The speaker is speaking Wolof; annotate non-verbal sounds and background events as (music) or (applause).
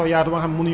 (hesitation) (hesitation)